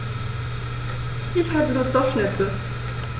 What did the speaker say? Ich habe Lust auf Schnitzel.